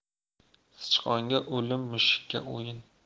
sichqonga o'lim mushukka o'yin